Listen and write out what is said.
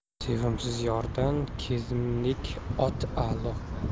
sevimsiz yordan kezimlik ot a'lo